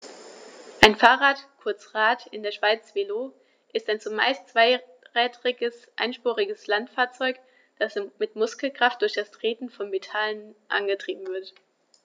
Ein Fahrrad, kurz Rad, in der Schweiz Velo, ist ein zumeist zweirädriges einspuriges Landfahrzeug, das mit Muskelkraft durch das Treten von Pedalen angetrieben wird.